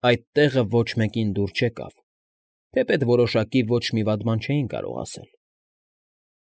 Այդ տեղը ոչ մեկին դուր չեկավ, թեպետ որոշակի ոչ մի վատ բան չէին կարող ասել։